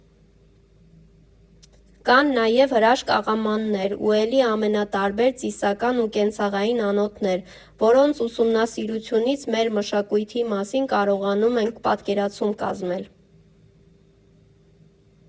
Կան նաև հրաշք աղամաններ ու էլի ամենատարբեր ծիսական ու կենցաղային անոթներ, որոնց ուսումնասիրությունից մեր մշակույթի մասին կարողանում ենք պատկերացում կազմել։